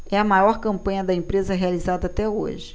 é a maior campanha da empresa realizada até hoje